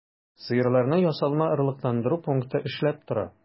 Сыерларны ясалма орлыкландыру пункты эшләп тора.